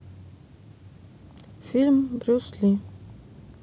фильм брюс ли